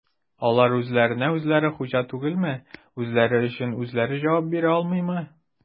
Алар үзләренә-үзләре хуҗа түгелме, үзләре өчен үзләре җавап бирә алмыймы?